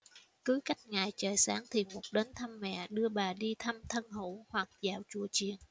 cứ cách ngày trời sáng thì mục đến thăm mẹ đưa bà đi thăm thân hữu hoặc dạo chùa chiền